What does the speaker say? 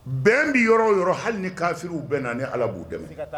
Bɛn bɛ yɔrɔ o yɔrɔ hali ni kafiw bɛn ni ala b'u dɛmɛ